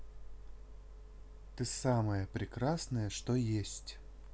ты самое прекрасное что есть